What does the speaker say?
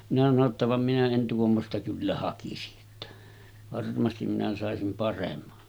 minä sanoin jotta vaan minä en tuommoista kyllä hakisi että varmasti minä saisin paremman